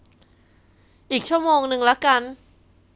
อีกชั่วโมงนึงละกัน